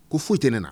Ko foyi tɛ na